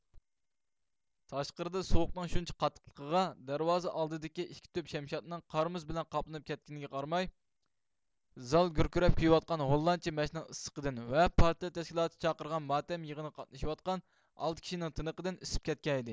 تاشقىرىدا سوغۇقنىڭ شۇنچە قاتتىقلىقىغا دەرۋازا ئالدىدىكى ئىككى تۈپ شەمشادنىڭ قار مۇز بىلەن قاپلىنىپ كەتكىنىگە قارىماي زال گۈركىرەپ كۆيۈۋاتقان ھوللاندچە مەشنىڭ ئىسسىقىدىن ۋە پارتىيە تەشكىلاتى چاقىرغان ماتەم يىغىنىغا قاتنىشىۋاتقان ئالتە كىشىنىڭ تىنىقىدىن ئىسسىپ كەتكەنىدى